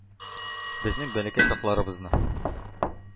Безнең бәләкәй чакларыбызны.